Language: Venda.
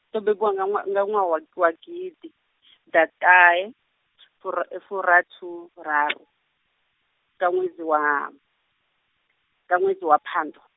ndo bebiwa nga nwa- nga ṅwaha wa gididatahefura- e- -furathiraru nga ṅwedzi wa, nga ṅwedzi wa Phando.